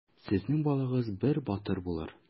Сезнең балагыз бер батыр булыр.